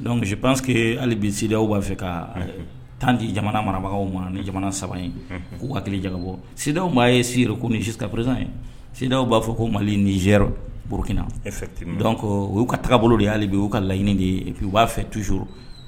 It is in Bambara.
Dɔnkusi panse hali bidiw b'a fɛ ka tan di jamana marabagaw ni jamana saba'u hakili jabɔ siw maa ye si ko ni si ka pzsan yedaw b'a fɔ ko mali ni burukina uu ka taga bolo de y'ale bi'u ka laɲini de u b'a fɛ tu